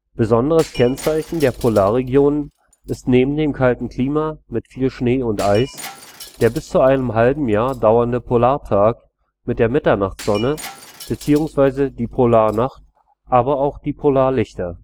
Besonderes Kennzeichen der Polarregionen ist neben dem kalten Klima mit viel Schnee und Eis der bis zu einem halben Jahr dauernde Polartag mit der Mitternachtssonne bzw. die Polarnacht, aber auch die Polarlichter